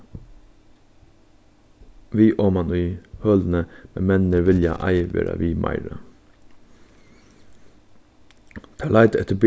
við oman í hølini men menninir vilja ei vera við meira teir leita eftir